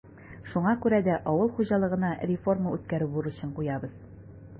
Шуңа күрә дә авыл хуҗалыгына реформа үткәрү бурычын куябыз.